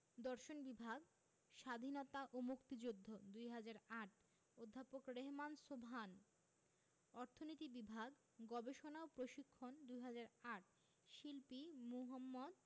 দর্শন বিভাগ স্বাধীনতা ও মুক্তিযুদ্ধ ২০০৮ অধ্যাপক রেহমান সোবহান অর্থনীতি বিভাগ গবেষণা ও প্রশিক্ষণ ২০০৮ শিল্পী মু.